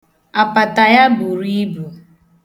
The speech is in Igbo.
Apata ya buru ibu.